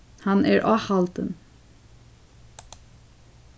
hann er áhaldin